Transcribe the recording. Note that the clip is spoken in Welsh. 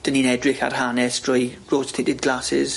'Dyn ni'n edrych ar hanes drwy rose tited glasses.